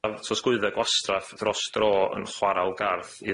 mae'r tosglwyddo gwastraff dros dro yn chwarel Garth i